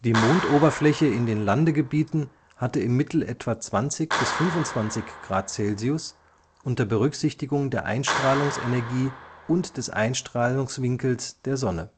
Mondoberfläche in den Landegebieten hatte im Mittel etwa 20 bis 25 Grad Celsius unter Berücksichtigung der Einstrahlungsenergie und des Einstrahlungswinkels der Sonne